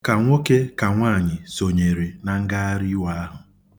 Ka nwoke ka nwaanyị sonyere na ngagharị iwe ahụ